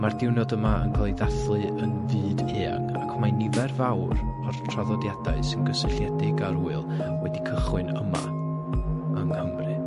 Mae'r diwrnod yma yn ca'l ei ddathlu yn fyd eang, ac mae nifer fawr o'r traddodiadau sy'n gysylltiedig â'r wyl wedi cychwyn yma, yng Nghymru.